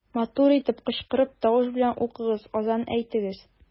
Матур итеп кычкырып, тавыш белән укыгыз, азан әйтегез.